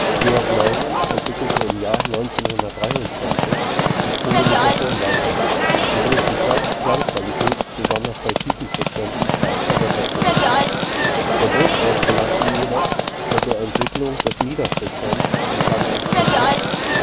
Georg Neumann entwickelte im Jahr 1923 das Kohlemikrofon weiter, wodurch die Klangqualität besonders bei tiefen Frequenzen stark verbessert wurde. Der Durchbruch gelang ihm jedoch mit der Entwicklung des Niederfrequenz (NF) - Kondensatormikrofons